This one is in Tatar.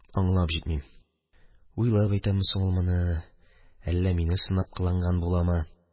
Аңлап җитмим: уйлап әйтәме соң ул моны, әллә мине сынап кыланган буламы?